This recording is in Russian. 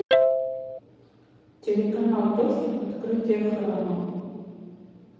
телеканал дождь открытие храма